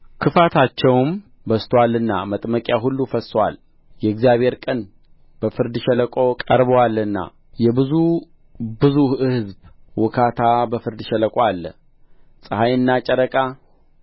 ክፉታቸውም በዝቶአልና መጥመቂያ ሁሉ ፈርሶአል የእግዚአብሔር ቀን በፍርድ ሸለቆ ቀርቦአልና የብዙ ብዙ ሕዝብ ውካታ በፍርድ ሸለቆ አለ ፀሐይና ጨረቃ